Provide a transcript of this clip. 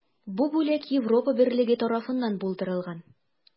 Бу бүләк Европа берлеге тарафыннан булдырылган.